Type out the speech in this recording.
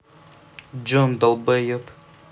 john долбоеб